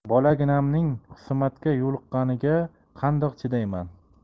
bolaginamning xusumatga yo'liqqaniga qandoq chidayman